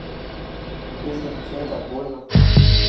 песня почему так больно